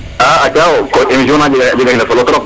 a aca emssion na jega xina solo trop